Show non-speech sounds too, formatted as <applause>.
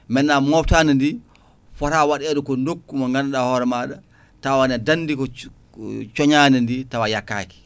maintenant moftadi ndi fota waɗede ko nokku mo ganduɗa hooore maɗa tawa ne dandi ko <unintelligible> cooñadi ndi tawa yakkaki